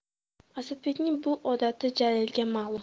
asadbekning bu odati jalilga ma'lum